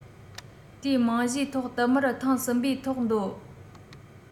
དེའི རྨང གཞིའི ཐོག བསྟུད མར ཐེངས གསུམ པའི ཐོག འདོད